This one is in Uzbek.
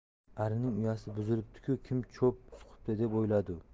arining uyasi buzilibdi ku kim cho'p suqibdi deb o'yladi u